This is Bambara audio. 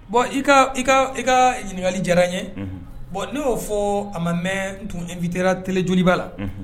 Bɔn i ka ɲininkali diyara n ye bɔn n y'o fɔ a ma mɛn n'tun invite ra tele Joliba la.